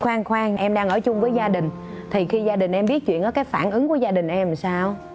khoan khoan em đang ở chung với gia đình thì khi gia đình em biết chuyện cá phản ứng của gia đình em làm sao